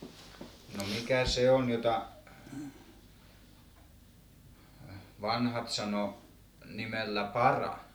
no mikä se on jota vanhat sanoi nimellä para